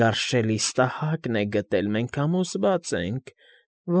Գարշ֊շ֊շելի ս֊ս֊ստահակն է գտել, մենք համոզված ենք։